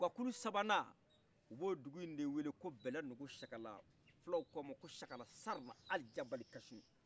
guakulu sabanna ubo dugu de wele bɛlɛnoko cɛkɛla filaw k'amako cɛkɛla sarna aljabbal kacin